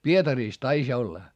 Pietarissa taisi olla